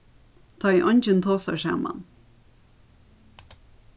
tá ið eingin tosar saman